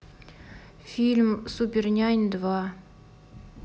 фильм супернянь два